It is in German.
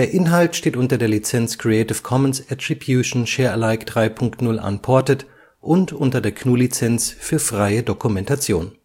Inhalt steht unter der Lizenz Creative Commons Attribution Share Alike 3 Punkt 0 Unported und unter der GNU Lizenz für freie Dokumentation